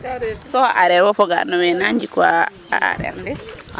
So a aaree wo foga no njikwaa a aareer ndi?